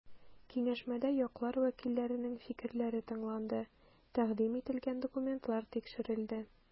Киңәшмәдә яклар вәкилләренең фикерләре тыңланды, тәкъдим ителгән документлар тикшерелде.